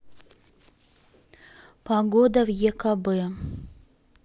погода в екб